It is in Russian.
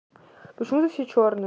почему ты все черные